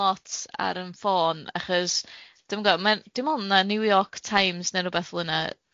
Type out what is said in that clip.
lot ar 'yn ffôn achos dw'm gwbo ma- dwi'n me'l 'na New York Times ne wbath fel 'na